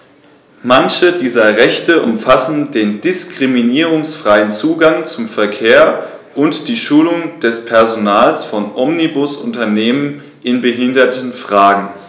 Manche dieser Rechte umfassen den diskriminierungsfreien Zugang zum Verkehr und die Schulung des Personals von Omnibusunternehmen in Behindertenfragen.